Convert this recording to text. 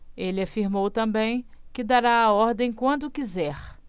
ele afirmou também que dará a ordem quando quiser